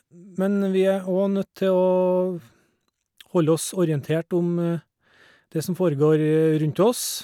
Men vi er óg nødt til å v holde oss orientert om det som foregår rundt oss.